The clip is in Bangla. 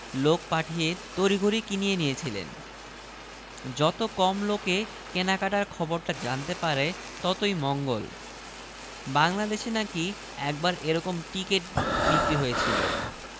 প্যারিসের লোক তখন যে অট্টহাস্য ছেড়েছিল সেটা আমি ভূমধ্যসাগরের মধ্যিখানে জাহাজে বসে শুনতে পেয়েছিলুম কারণ খবরটার গুরুত্ব বিবেচনা করে রয়টার সেটা বেতারে ছড়িয়েছিলেন